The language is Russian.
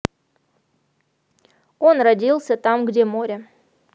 он родился там где море